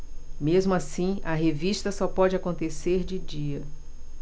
mesmo assim a revista só pode acontecer de dia